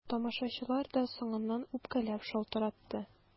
Тамашачылар да соңыннан үпкәләп шалтыратты.